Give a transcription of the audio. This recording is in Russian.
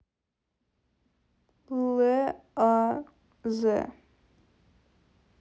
л а з